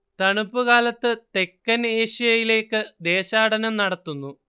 തണുപ്പുകാലത്ത് തെക്കൻ ഏഷ്യയിലേക്ക് ദേശാടനം നടത്തുന്നു